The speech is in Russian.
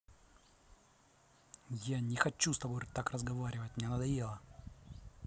я не хочу с тобой так разговаривать мне надоело